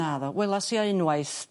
Naddo welas i o unwaith